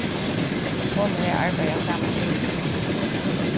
hon og eg arbeiða á sama sjúkrahúsi